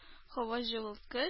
Һаваҗылыткы